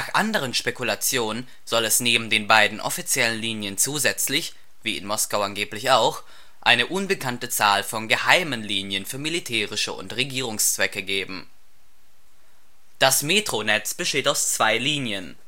anderen Spekulationen soll es neben den beiden offiziellen Linien zusätzlich (wie in Moskau angeblich auch) eine unbekannte Zahl von geheimen Linien für militärische und Regierungszwecke geben. Das Metronetz besteht aus zwei Linien